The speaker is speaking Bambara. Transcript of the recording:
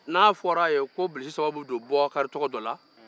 n'a fɔra a ye ko bilisi sababu bɛ don bubakari tɔgɔ dɔ la